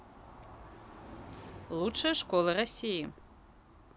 лучшая школа в россии